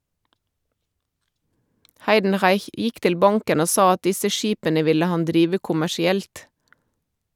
Heidenreich gikk til banken og sa at disse skipene ville han drive kommersielt.